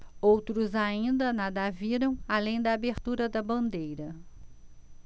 outros ainda nada viram além da abertura da bandeira